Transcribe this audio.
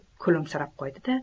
kulimsirab qo'ydi da